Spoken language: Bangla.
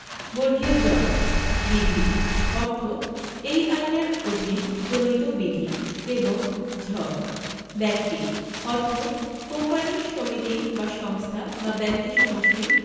জ বিধি অর্থ এই আইনের অধীন প্রণীত বিধি এবং ঝ ব্যক্তি অর্থ কোম্পানী সমিতি বা সংস্থা বা ব্যক্তি সমষ্টি